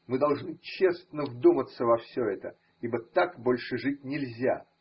Мы должны честно вдуматься во все это. ибо так больше жить нельзя.